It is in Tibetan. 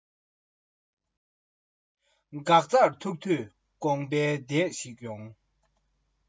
འགག རྩར ཐུག དུས དགོས པའི དུས ཤིག ཡོང